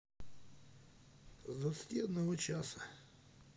с двадцати одного часа